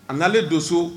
A naale don so